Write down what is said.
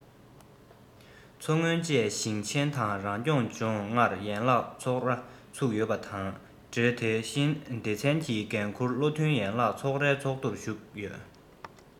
མཚོ སྔོན བཅས ཞིང ཆེན དང རང སྐྱོང ལྗོངས ལྔར ཡན ལག ཚོགས ར བཙུགས ཡོད པ དང འབྲེལ དེ བཞིན སྡེ ཚན གྱི འགན ཁུར བློ མཐུན ཡན ལག ཚོགས རའི ཚོགས འདུར ཞུགས ཡོད